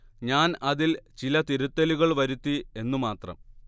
ഞാൻ അതിൽ ചില തിരുത്തലുകൾ വരുത്തി എന്നു മാത്രം